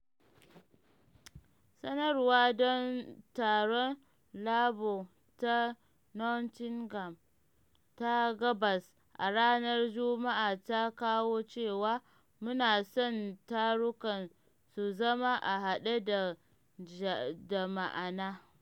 Sanarwa don taron Labour ta Nottingham ta Gabas a ranar Juma’a ta kawo cewa, “muna son tarukan su zama a haɗe da ma’ana.”